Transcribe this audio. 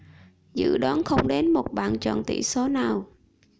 dự đoán không đến một bạn chọn tỷ số nào